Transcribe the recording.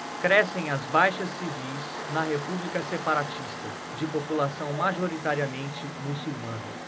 crescem as baixas civis na república separatista de população majoritariamente muçulmana